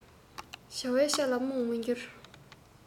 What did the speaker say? བྱ བའི ཆ ལ རྨོངས མི འགྱུར